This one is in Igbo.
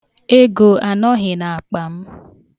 Ego anọghị n'akpa m.